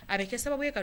A bɛ kɛ sababu ye ka